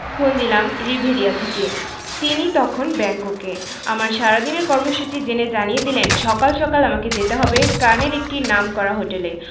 phone দিলাম Riviera থেকে তিনি তখন ব্যাংককে আমার সারাদিনের কর্মসূচি জেনে জানিয়ে দিলেন সকাল সকাল আমাকে যেতে হবে কানের একটা নামকরা হোটেলে